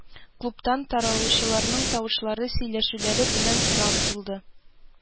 Клубтан таралучыларның тавышлары, сөйләшүләре белән урам тулды